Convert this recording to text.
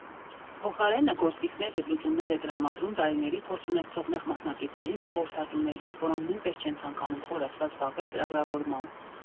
Փոխարենը գործիքներ և լուծումներ է տրամադրում տարիների փորձ ունեցող նեղ մասնագետներին և խորհրդատուներին, որոնք նույնպես չեն ցանկանում խորացված զբաղվել ծրագրավորմամբ։